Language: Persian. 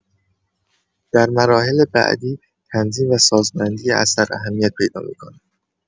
در مراحل بعدی تنظیم و سازبندی اثر اهمیت پیدا می‌کند.